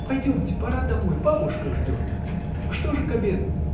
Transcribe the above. — Пойдемте, пора домой, бабушка ждет! Что же к обеду?